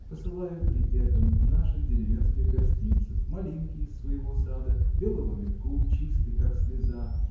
Посылаю при этом наших деревенских гостинцев – малинки из своего сада белого медку – чистый как слеза